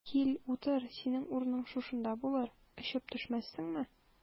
Кил, утыр, синең урының шушында булыр, очып төшмәссеңме?